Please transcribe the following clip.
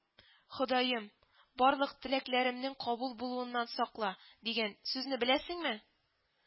- ходаем, барлык теләкләремнең кабул булуыннан сакла, - дигән сүзне беләсеңме